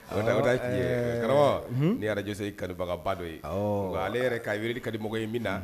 A dada cɛ kɛra n yɛrɛjse ye karibagaba dɔ ye ale yɛrɛ k'a kamɔgɔ in bɛna na